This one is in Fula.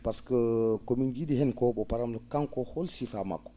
par ce que ko min nji?i heen ko bo para* kanko hol sifaa makko